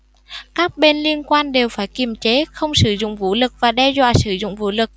các bên liên quan đều phải kiềm chế không sử dụng vũ lực và đe dọa sử dụng vũ lực